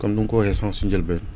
comme ni nga ko waxee sànq si njëlbeen